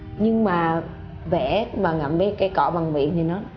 nhưng mà vẽ mà ngậm cái cây cọ bằng miệng thì nó